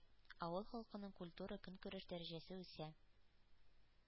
Авыл халкының культура-көнкүреш дәрәҗәсе үсә.